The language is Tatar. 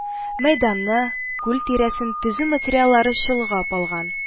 Мәйданны, күл тирәсен төзү материаллары чолгап алган